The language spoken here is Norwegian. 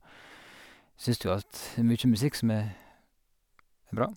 Syns jo at det er mye musikk som er er bra.